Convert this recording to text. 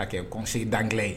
Ka kɛ kɔnsigi dangɛ ye